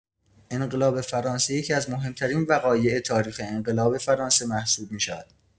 انقلاب فرانسه یکی‌از مهم‌ترین وقایع تاریخ انقلاب فرانسه محسوب می‌شود.